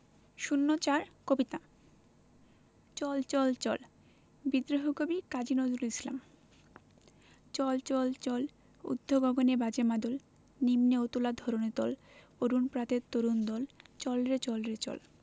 ০৪ কবিতা চল চল চল বিদ্রোহী কবি কাজী নজরুল ইসলাম চল চল চল ঊর্ধ্ব গগনে বাজে মাদল নিম্নে উতলা ধরণি তল অরুণ প্রাতের তরুণ দল চল রে চল রে চল